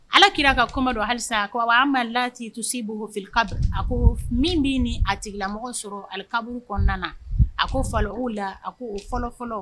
Alaki kirara ka kɔma don hali ko amadulatii to se filibi a ko min bɛ ni a tigilamɔgɔ sɔrɔ ali kaburu kɔnɔna a ko fa o la a ko o fɔlɔfɔlɔ